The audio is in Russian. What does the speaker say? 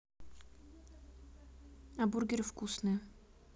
а бургеры вкусные